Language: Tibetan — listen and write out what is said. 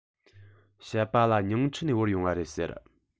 བཤད པ ལ ཉིང ཁྲི ནས དབོར ཡོང བ རེད ཟེར